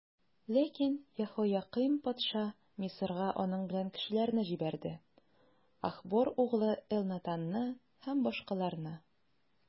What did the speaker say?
Ләкин Яһоякыйм патша Мисырга аның белән кешеләрне җибәрде: Ахбор углы Элнатанны һәм башкаларны.